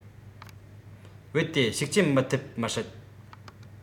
རྦད དེ ཤུགས རྐྱེན མི ཐེབས མི སྲིད